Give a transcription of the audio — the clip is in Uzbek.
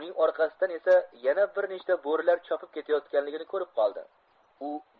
uning orqasidan esa yana bir nechta bo'rilar chopib ketayotganligini ko'rib qoldi